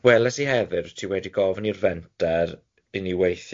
Weles i hefyd bo' ti wedi gofyn i'r Fenter i ni weithio